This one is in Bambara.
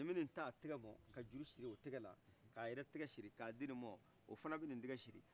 nin bɛ nin ta a tɛgɛ ma ka juru siri o tɛgɛ la k' a yɛrɛ tɛgɛ siri ka di nin ma o fana bɛ nin tɛgɛ siri